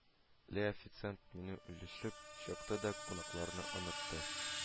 Ле официант меню өләшеп чыкты да кунакларны онытты